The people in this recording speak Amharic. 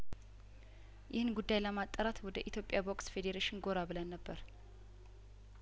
ይህን ጉዳይ ለማጣራት ወደ ኢትዮጵያ ቦክስ ፌዴሬሽን ጐራ ብለን ነበር